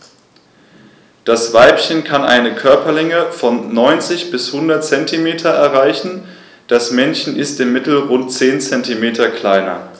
Das Weibchen kann eine Körperlänge von 90-100 cm erreichen; das Männchen ist im Mittel rund 10 cm kleiner.